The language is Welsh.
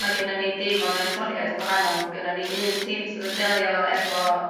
mae gennon ni dîm o mewntoriaid gwahanol gynnon ni un tîm sydd yn delio efo